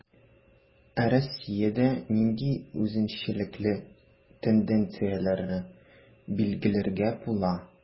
Ә Россиядә нинди үзенчәлекле тенденцияләрне билгеләргә була?